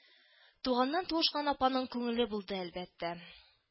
Туганнан туышкан апаның күңеле булды, әлбәттә